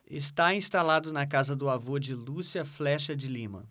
está instalado na casa do avô de lúcia flexa de lima